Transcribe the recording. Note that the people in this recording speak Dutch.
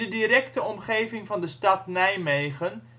directe omgeving van de stad Nijmegen